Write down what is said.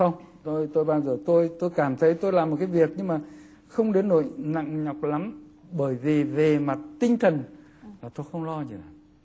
không tôi tôi bao giờ tôi tôi cảm thấy tôi làm cái việc nhưng mà không đến nỗi nặng nhọc lắm bởi vì về mặt tinh thần và tôi không lo gì cả